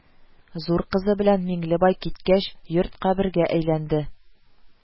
Зур кызы белән Миңлебай киткәч, йорт кабергә әйләнде